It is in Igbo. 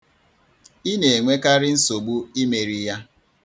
Ị na-enwekarị nsogbu imeri ya.